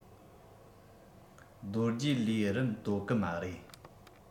རྡོ རྗེ ལས རིམ དོ གུ མ རེད